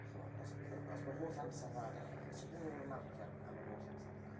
Chimod, os os ma' holl amser 'na da chi, so chi'n mynd i fod yn marcio am yr holl amser yna.